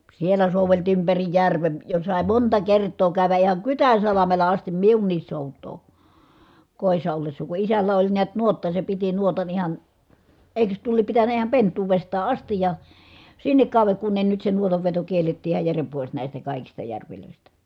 siellä soudeltiin ympäri järven jo sai monta kertaa käydä ihan Kytänsalmella asti minunkin soutaa kodissa ollessa kun isällä oli näet nuotta se piti nuotan ihan eikös tuo lie pitänyt ihan pentuudestaan asti ja sinne kauden kun ne nyt se nuotanveto kiellettiin ihan jären pois näistä kaikista järvistä